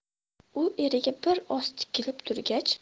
u eriga bir oz tikilib turgach